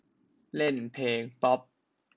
เล่นเพลงป๊อป